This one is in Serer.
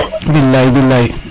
bilay bilay